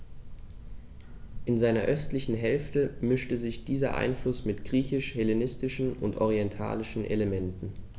In seiner östlichen Hälfte mischte sich dieser Einfluss mit griechisch-hellenistischen und orientalischen Elementen.